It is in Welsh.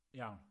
Iawn.